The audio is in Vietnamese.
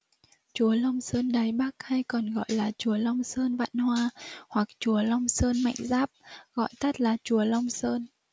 chùa long sơn đài bắc hay còn gọi là chùa long sơn vạn hoa hoặc chùa long sơn mạnh giáp gọi tắt là chùa long sơn